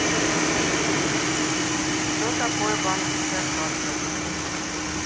что такое банковская карта